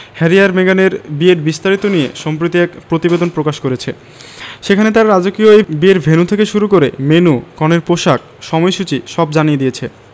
Harry আর মেগানের বিয়ের বিস্তারিত নিয়ে সম্প্রতি এক প্রতিবেদন প্রকাশ করেছে সেখানে তারা রাজকীয় এই বিয়ের ভেন্যু থেকে শুরু করে মেন্যু কনের পোশাক সময়সূচী সব জানিয়ে দিয়েছে